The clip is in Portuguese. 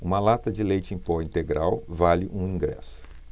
uma lata de leite em pó integral vale um ingresso